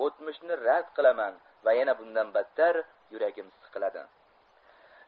o'tmishni rad qilaman ia yana bundan battar yuragim siqiladi